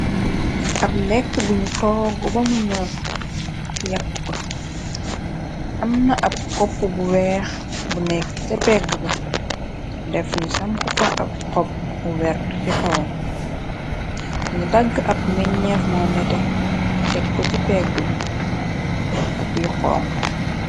ab lekk buñu toog bamu ñor yakkupa am na ab kopp bu weex bu nekk ca pegg ba def ñu samku fa ab xopp bu wert ci xoom ñu dagg ab meñeef moo nete tek ko ci pegg bi ak yu xonk